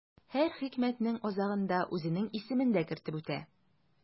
Һәр хикмәтнең азагында үзенең исемен дә кертеп үтә.